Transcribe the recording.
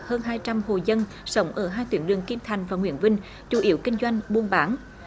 hơn hai trăm hộ dân sống ở hai tuyến đường kim thành và nguyễn vinh chủ yếu kinh doanh buôn bán